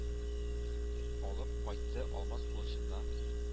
Алып кайтты алмаз кылычында